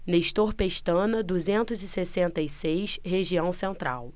nestor pestana duzentos e sessenta e seis região central